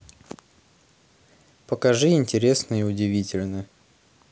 покажи интересное и удивительное